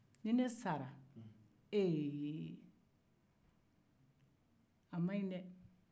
ni ne sara ee a maɲi dɛɛ